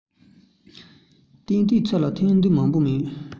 ཏན ཏན ཕྱི ལ ཐོན དུས མང པོ མེད